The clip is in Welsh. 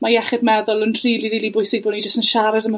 ma' iechyd meddwl yn rhili rili bwysig bo' ni jyst yn siarad am y